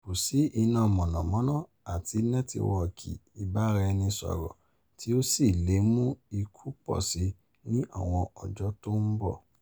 Kò sí iná mọ̀nà-mọ́ná àti nẹ́tíwọkì ìbáraẹnisọ̀rọ̀ tí ó sì lè mú ikú pọ̀si ní àwọn ọjọ tó ńbọ̀